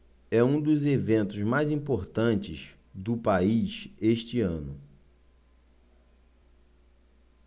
é um dos eventos mais importantes do país este ano